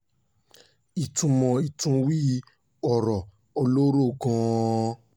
Ìtúmọ̀ Ìtúnwí-ọ̀rọ̀ Ọlọ́rọ̀ gan-an